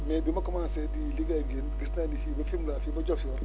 mais bi ma commencé di liggéey ak yéen gis naa ne fii ba Fimela fii ba Diofior